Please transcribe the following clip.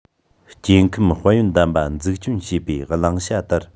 སྐྱེ ཁམས དཔལ ཡོན ལྡན པ འཛུགས སྐྱོང བྱེད པའི བླང བྱ ལྟར